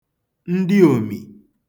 ndịòmì